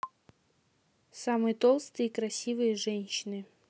самые толстые и красивые женщины